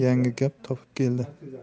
yangi gap topib keldi